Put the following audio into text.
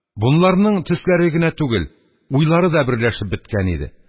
Бунларның төсләре генә түгел, уйлары да берләшеп беткән иде.